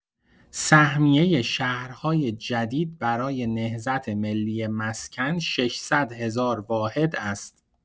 سهمیه شهرهای جدید برای نهضت ملی مسکن ۶۰۰ هزار واحد است.